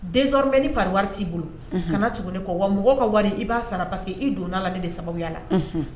Desormais ni pari wari t'i bolo unhun kana tugu ne kɔ wa mɔgɔw ka wari i b'a sara parce que i donn'a la ne de sababuya la unhun